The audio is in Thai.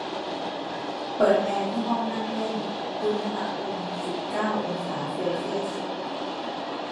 เปิดแอร์ที่ห้องนั่งเล่นอุณหภูมิสิบเก้าองศาเซลเซียส